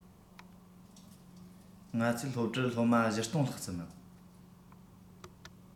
ང ཚོའི སློབ གྲྭར སློབ མ ༤༠༠༠ ལྷག ཙམ ཡོད